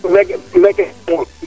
*